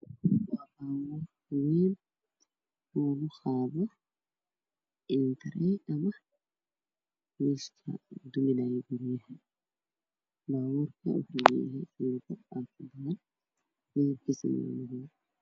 Meeshaan waxaa yaalo mooto laba lugule ah oo midabkeedu yahay caddaan waxaa ka horeeyo gaari kale oo madow ah